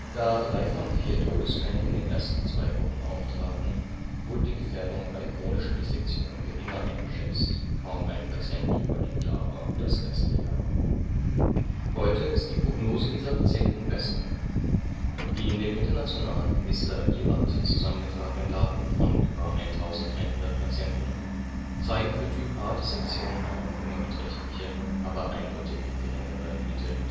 Da drei von vier Todefällen in den ersten zwei Wochen auftraten, wurde die Gefährdung bei chronischen Dissektionen geringer eingeschätzt, kaum ein Patient überlebte aber das erste Jahr. Zeitraum Ohne Operation Mit Operation In 24 Stunden 0 % 10 % In einer Woche 40 % 13 % In einem Monat 50 % 20 % Tab. 3: Letalität bei Typ-A-Dissektion Heute ist die Prognose dieser Patienten besser. Die in dem internationalen Register IRAD zusammengetragenen Daten von über 1100 Patienten zeigen für Typ-A-Dissektionen (vgl. Tab. 3) eine noch immer beträchtliche, aber eindeutig geringere Letalität